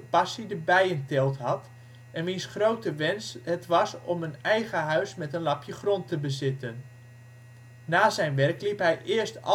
passie de bijenteelt had, en wiens grote wens het was om een eigen huis met een lapje grond te bezitten. Na zijn werk liep hij eerst